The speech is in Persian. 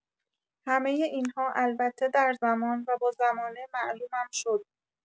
همۀ این‌ها البته در زمان و با زمانه معلومم شد.